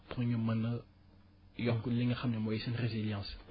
pour ñu mën a yokk li nga xam ne mooy seen résilience